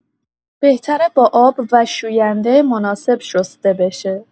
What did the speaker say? بهتره با آب و شوینده مناسب شسته بشه.